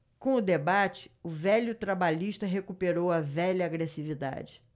com o debate o velho trabalhista recuperou a velha agressividade